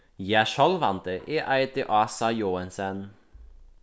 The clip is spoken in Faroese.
ja sjálvandi eg eiti ása joensen